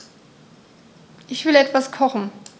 Ich will etwas kochen.